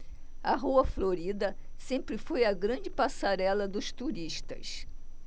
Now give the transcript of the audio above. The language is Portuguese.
a rua florida sempre foi a grande passarela dos turistas